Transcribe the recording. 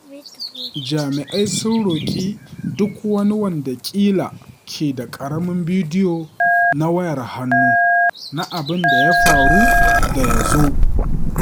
Jami’ai sun roƙi duk wani wanda ƙila ke da ƙaramin bidiyo na wayar hannu na abin da ya faru da ya zo.